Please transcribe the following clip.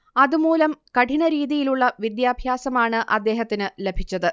അതുമൂലം കഠിനരീതിയിലുള്ള വിദ്യാഭാസമാണ് അദ്ദേഹത്തിന് ലഭിച്ചത്